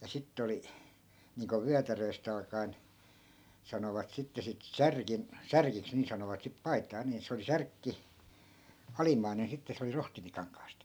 ja sitten oli niin kuin vyötäröstä alkaen sanovat sitten sitten - särkiksi niin sanovat sitten paitaa niin se oli särkki alimmainen sitten se oli rohtimikankaasta